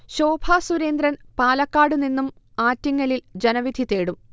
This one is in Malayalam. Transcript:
ശോഭസുരേന്ദ്രൻ പാലക്കാട് നിന്നും ആറ്റിങ്ങലിൽ ജനവിധി തേടും